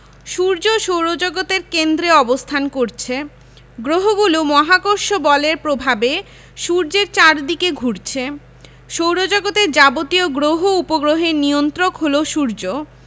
সূর্য সৌরজগতের কেন্দ্রে অবস্থান করছে গ্রহগুলো মহাকর্ষ বলের প্রভাবে সূর্যের চারদিকে ঘুরছে সৌরজগতের যাবতীয় গ্রহ উপগ্রহের নিয়ন্ত্রক হলো সূর্য